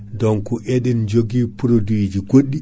donc eɗen joogui produit ji goɗɗi